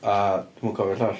A dwi'm yn cofio'r llall.